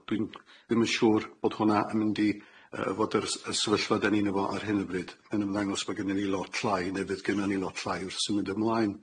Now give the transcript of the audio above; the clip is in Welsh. Wel dwi'n- ddim yn siŵr bod hwnna yn mynd i yy fod yr s- y sefyllfa deni yn y fo ar hyn o bryd yn ymddangos bo' gennon ni lot llai neu fydd gennon ni lot llai wrth symud ymlaen.